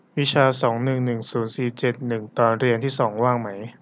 วิชาสองหนึ่งหนึ่งศูนย์สี่เจ็ดหนึ่งตอนเรียนที่สองว่างไหม